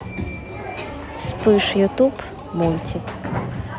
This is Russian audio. вспыш ютуб мультик